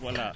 voilà